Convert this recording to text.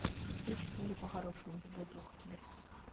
лучше говори по хорошему или будет плохо тебе